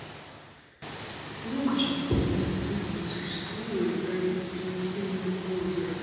а ну ка чатбот если ты существуешь давай принеси мне бургер